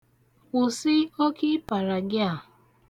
Kwụsị oke ịpara gị a.